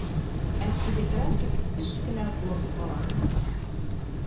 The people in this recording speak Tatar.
Ә каллиграфик эш кенә булып кала